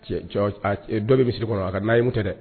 Dɔ bɛsiri kɔnɔ a ka n'a ye kun tɛ dɛ